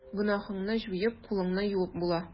Гөнаһыңны җуеп, кулыңны юып була.